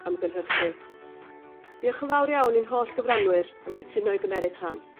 ...am gynhyrchu. Diolch yn fawr iawn i'n holl gyfranwyr am gytuno i gymeryd rhan.